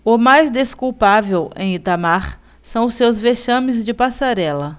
o mais desculpável em itamar são os seus vexames de passarela